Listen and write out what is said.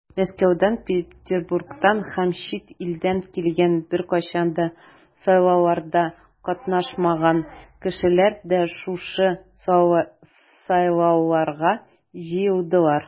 Мәскәүдән, Петербургтан һәм чит илдән килгән, беркайчан да сайлауларда катнашмаган кешеләр дә шушы сайлауларга җыелдылар.